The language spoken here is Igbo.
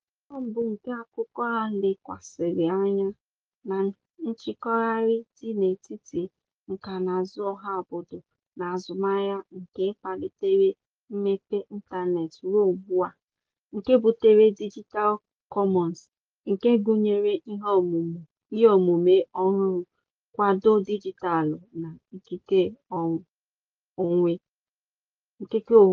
Akụkụ mbụ nke akwụkwọ a lekwasịrị anya na njikọgharị dị n'etiti nkànaụzụ, ọhaobodo na azụmahịa nke kpalitere mmepe ịntaneetị ruo ugbu a, nke butere "Digital Commons" nke gụnyere iheomume ọhụrụ, nkwado dịjịtaalụ, na ikike onwe.